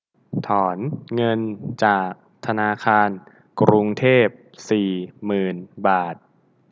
ถอนเงินจากธนาคารกรุงเทพสี่หมื่นบาท